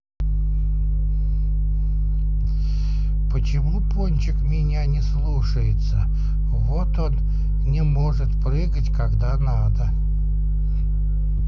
почему пончик меня не слушается вот он не может прыгать когда надо